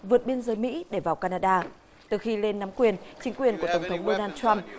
vượt biên giới mỹ để vào ca na đa từ khi lên nắm quyền chính quyền của tổng thống đô nan trăm